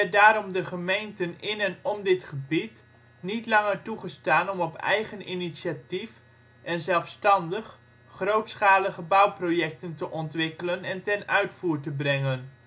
daarom de gemeenten in en om dit gebied niet langer toegestaan om op eigen initiatief en zelfstandig grootschalige bouwprojecten te ontwikkelen en ten uitvoer te brengen